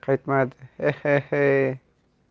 qaytmaydi eh he he e